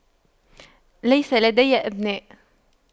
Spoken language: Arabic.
ليس لدي أبناء